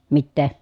mitä